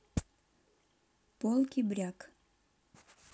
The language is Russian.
полки бряк